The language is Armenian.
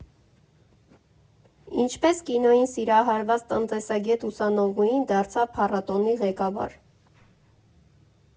Ինչպե՞ս կինոյին սիրահարված տնտեսագետ ուսանողուհին դարձավ փառատոնի ղեկավար.